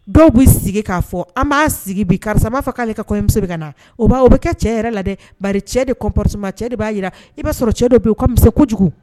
Dɔw bɛ sigi k'a fɔ, an b'a sigi bi karisa m'a fɔ k'ale ka kɔɲɔmuso bɛ ka na. O b'a o bɛ kɛ cɛ yɛrɛ la dɛ ,bari cɛ de comportement ,cɛ de b'a jira. I b'a sɔrɔ cɛ dɔw bɛ yen o ka misɛn kojugu